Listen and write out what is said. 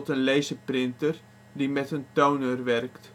een laserprinter die met een toner werkt